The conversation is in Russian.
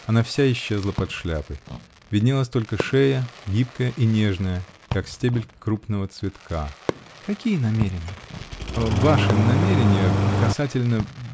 Она вся исчезла под шляпой: виднелась только шея, гибкая и нежная, как стебель крупного цветка. -- Какие намерения? -- Ваши намерения. касательно.